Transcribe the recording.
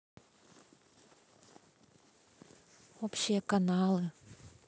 общие каналы